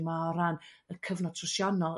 yma o ran y cyfnod trosiannol